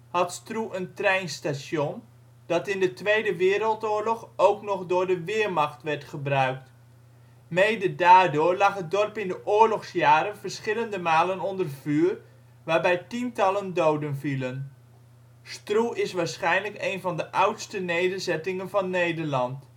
had Stroe een treinstation, dat in de Tweede Wereldoorlog ook nog door de Wehrmacht werd gebruikt. Mede daardoor lag het dorp in de oorlogsjaren verschillende malen onder vuur, waarbij tientallen doden vielen. Stroe is waarschijnlijk één van de oudste nederzettingen van Nederland